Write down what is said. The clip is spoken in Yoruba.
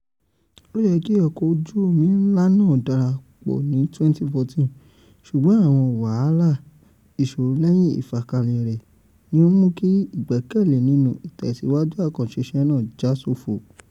Ó yẹ kí ọkọ̀ ojú omi nlá náà darapọ̀ ní 2014, ṣùgbọ̀n àwọn wàhálà ìṣòro lẹ́yìn ìfakalẹ̀ rẹ̀ ní ó mú kí ìgbẹ́kẹ́lé nínú itẹ̀síwájú àkànṣe iṣẹ́ náà já sófo.